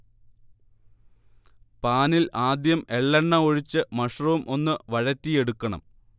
പാനിൽ ആദ്യം എള്ളെണ്ണ ഒഴിച്ച് മഷ്റൂം ഒന്ന് വഴറ്റിയെടുക്കണം